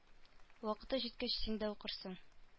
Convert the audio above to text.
Вакыты җиткәч син дә укырсың